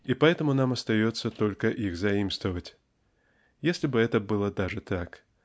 и потому нам остается только их заимствовать. Если бы это было даже так